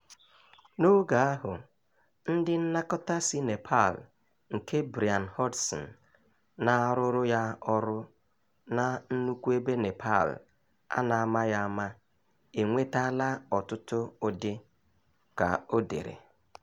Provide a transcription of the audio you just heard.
N'oge ahụ ndị nnakọta si Nepal nke Brian Hodgson na-arụụrụ ya ọrụ na nnukwu ebe Nepal a na-amaghị ama enwetaala ọtụtụ ụdị, ka o dere.